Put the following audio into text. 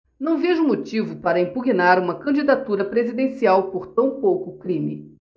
não vejo motivo para impugnar uma candidatura presidencial por tão pouco crime